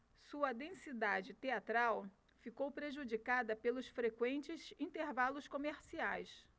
sua densidade teatral ficou prejudicada pelos frequentes intervalos comerciais